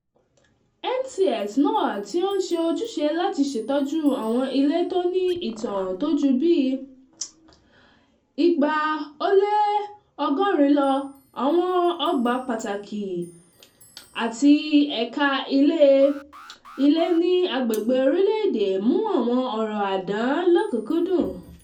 NTS náà, tí ó ń ṣe ojúṣe láti ṣètọ́jú àwọn ilé tó ní ìtàn tó ju bí 270 lọ, àwọn ọgbà pàtàkì 38, àti eékà ilẹ̀ 76,000 ní agbègbè orílẹ̀ èdè, mú àwọn ọ̀rọ̀ àdán lọ́kúnkúndùn.